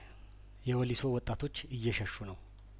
የወሊሶ ወጣቶች እየሸሹ ነው